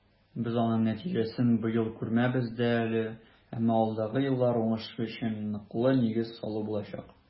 Без аның нәтиҗәсен быел күрмәбез дә әле, әмма алдагы еллар уңышы өчен бу ныклы нигез салу булачак.